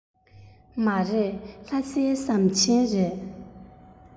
མ རེད ལྷ སའི ཟམ ཆེན རེད